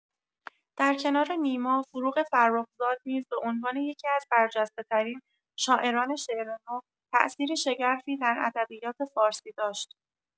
در کنار نیما، فروغ فرخزاد نیز به‌عنوان یکی‌از برجسته‌ترین شاعران شعر نو، تاثیر شگرفی در ادبیات فارسی داشت.